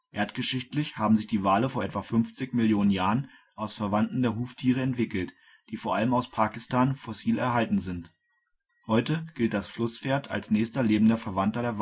Erdgeschichtlich haben sich die Wale vor etwa 50 Millionen Jahren aus Verwandten der Huftiere entwickelt, die vor allem aus Pakistan fossil erhalten sind. Heute gilt das Flusspferd als nächster lebender Verwandter